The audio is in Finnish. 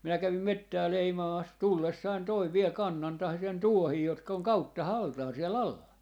minä kävin metsää leimaamassa tullessani toin vielä kannan tuohia jotka on kauttaaltaan siellä alla